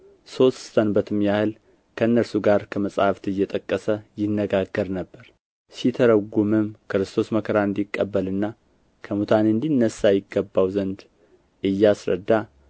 ሦስት ሰንበትም ያህል ከእነርሱ ጋር ከመጻሕፍት እየጠቀሰ ይነጋገር ነበር ሲተረጉምም ክርስቶስ መከራ እንዲቀበልና ከሙታን እንዲነሣ ይገባው ዘንድ እያስረዳ